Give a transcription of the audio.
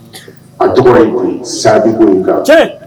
A tɔgɔ in sa bolo kan